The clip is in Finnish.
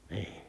niin